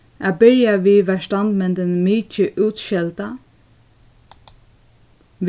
at byrja við varð standmyndin mikið útskeldað